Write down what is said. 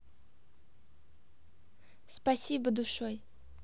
спасибо душой